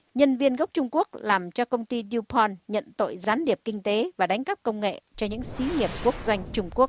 nhân viên gốc trung quốc làm cho công ty điu pon nhận tội gián điệp kinh tế và đánh cắp công nghệ cho những xí nghiệp quốc doanh trung quốc